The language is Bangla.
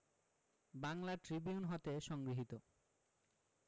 বাংলা ট্রিবিউন হতে সংগৃহীত